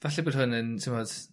Falle bod hwn yn t'mod